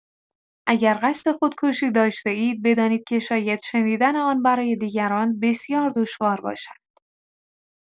اگر قصد خودکشی داشته‌اید، بدانید که شاید شنیدن آن برای دیگران بسیار دشوار باشد.